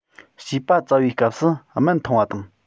བྱིས པ བཙའ བའི སྐབས སུ སྨན འཐུང བ དང